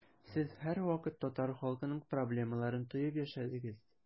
Сез һәрвакыт татар халкының проблемаларын тоеп яшәдегез.